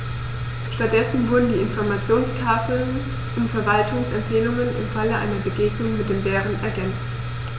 Stattdessen wurden die Informationstafeln um Verhaltensempfehlungen im Falle einer Begegnung mit dem Bären ergänzt.